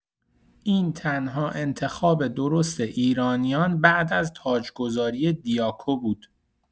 این تنها انتخاب درست ایرانیان بعد از تاجگذاری دیاآکو بود.